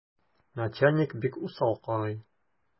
Начальник бик усал карый.